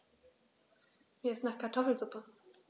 Mir ist nach Kartoffelsuppe.